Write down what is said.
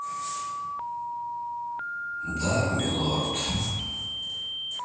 да милорд